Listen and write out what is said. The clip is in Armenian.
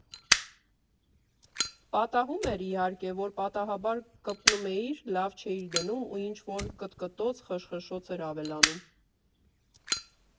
Պատահում էր, իհարկե, որ պատահաբար կպնում էիր, լավ չէիր դնում ու ինչ֊որ կտտոց֊խշշոց էր ավելանում։